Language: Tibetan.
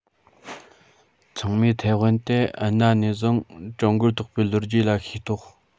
ཚང མས ཐའེ ཝན དེ གནའ ནས བཟུང ཀྲུང གོར གཏོགས པའི ལོ རྒྱུས ལ ཤེས རྟོགས